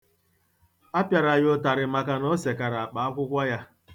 A pịara ya ụtarị maka na o sekara akpa akwụkwọ ya.